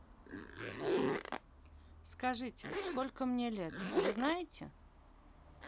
скажите сколько мне лет вы знаете